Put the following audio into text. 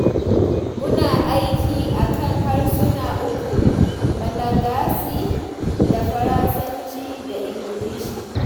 Muna aiki a kan harsuna uku: Malagasy da Faransanci da Ingilishi.